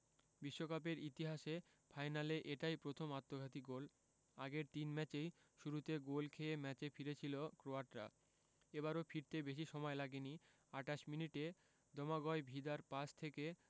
বিশ্বকাপের ইতিহাসে ফাইনালে এটাই প্রথম আত্মঘাতী গোল আগের তিন ম্যাচেই শুরুতে গোল খেয়ে ম্যাচে ফিরেছিল ক্রোয়াটরা এবারও ফিরতে বেশি সময় লাগেনি ২৮ মিনিটে দোমাগয় ভিদার পাস থেকে